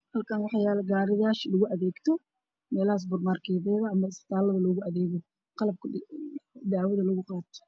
Halkan waxa yala gariyasha lagu adegta meelaha super marked yada ama isbitalada loga adegto qalabka dawada lagu qabto